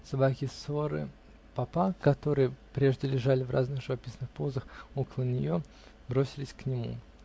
собаки своры папа, которые прежде лежали в разных живописных позах около нее, бросились к нему.